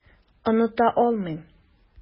Оныта алмыйм.